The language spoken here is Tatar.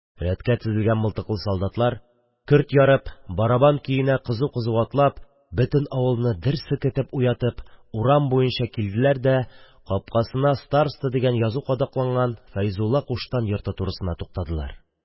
Рәткә тезелгән мылтыклы солдатлар көрт ярып, барабан көенә кызу-кызу атлап, бөтен авылны дер селкетеп, урам буенча килделәр дә, капкасына «Староста» дигән язу кадакланган Фәйзулла куштан йорты турысына туктадылар.